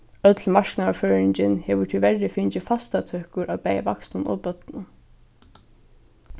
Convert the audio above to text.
øll marknaðarføringin hevur tíverri fingið fastatøkur á bæði vaksnum og børnum